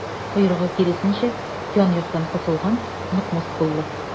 Койрыгы, киресенчә, ян-яктан кысылган, нык мускуллы.